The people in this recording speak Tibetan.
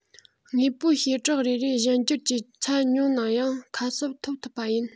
དངོས པོའི བྱེ བྲག རེ རེའི གཞན འགྱུར གྱི ཚད ཉུང ན ཡང ཁ གསབ ཐོབ ཐུབ པ ཡིན